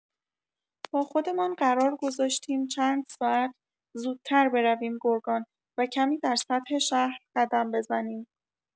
با خودمان قرار گذاشتیم چند ساعت زودتر برویم گرگان و کمی در سطح شهر قدم بزنیم.